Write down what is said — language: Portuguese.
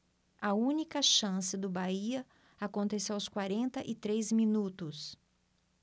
a única chance do bahia aconteceu aos quarenta e três minutos